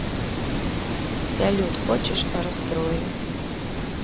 салют хочешь растрою